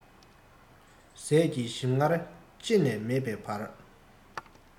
ཟས ཀྱི ཞིམ མངར ལྕེ ནས མིད པའི བར